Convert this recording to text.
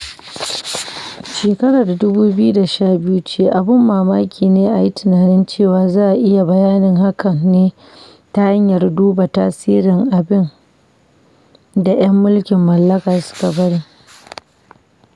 Shekarar 2012 ce, abun mamaki ne a yi tunanin cewa za a iya bayanin hakan ne ta hanyar duban tasirin abin da 'yan mulkin mallaka suka bari.